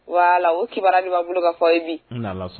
Wala o kibara ni'a bolo ka fɔ ye bi